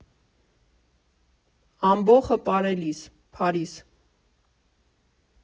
Ամբոխը պարելիս, Փարիզ։